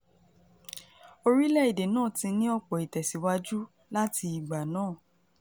Orílẹ̀-èdè náà ti ní ọ̀pọ̀ ìtẹ̀síwájú láti ìgbà náà.